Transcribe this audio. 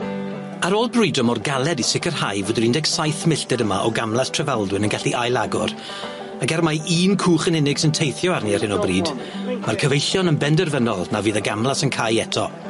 Ar ôl brwydro mor galed i sicirhau fod yr un deg saith milltid yma o gamlas Trefaldwyn yn gallu ail-agor ag er mai un cwch yn unig sy'n teithio arni ar hyn o bryd ma'r cyfeillion yn benderfynol na fydd y gamlas yn cau eto.